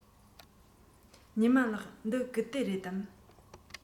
ཉི མ ལགས འདི རྐུབ སྟེགས རེད དམ